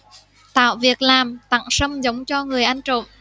tạo việc làm tặng sâm giống cho người ăn trộm